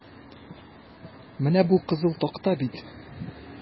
Менә бу кызыл такта бит?